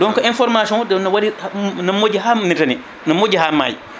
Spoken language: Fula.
donc information ne waɗi ne moƴƴi ha ɗumintani ne moƴƴi ha maayi